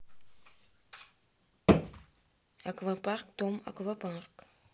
аквапарк том аквапарк